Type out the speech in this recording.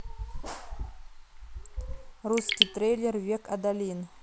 русский трейлер век адалин